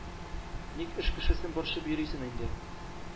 Ник эш кешесен борчып йөрисең инде?” –